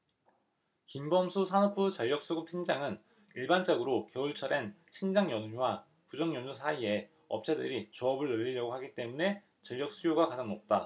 김범수 산업부 전력수급팀장은 일반적으로 겨울철엔 신정연휴와 구정연휴 사이에 업체들이 조업을 늘리려고 하기 때문에 전력수요가 가장 높다